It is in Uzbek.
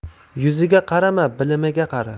yuziga qarama bilimiga qara